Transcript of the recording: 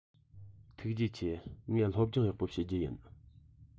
ཐུགས རྗེ ཆེ ངས སློབ སྦྱོང ཡག པོ བྱེད རྒྱུ ཡིན